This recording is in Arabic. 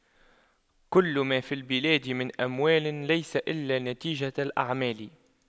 كل ما في البلاد من أموال ليس إلا نتيجة الأعمال